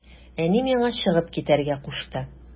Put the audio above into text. Әни миңа чыгып китәргә кушты.